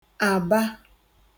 àba